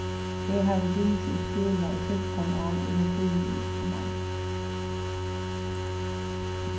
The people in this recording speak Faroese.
eg havi gingið í skúla í fimtan ár og nú tími eg ikki meir